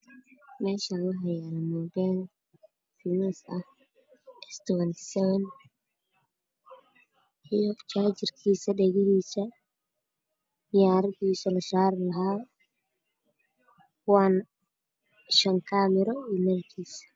Meeshaan waxaa yaalo muubeel iyo jaajarkiisa, dhagihiisa iyo muraayadii lasaari lahaa waan shan kaamiroole.